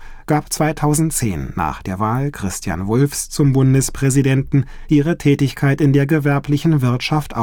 2010 nach der Wahl Christian Wulffs zum Bundespräsidenten ihre Tätigkeit in der gewerblichen Wirtschaft